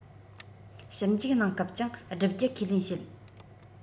ཞིབ འཇུག གནང སྐབས ཀྱང བསྒྲུབ རྒྱུ ཁས ལེན བྱེད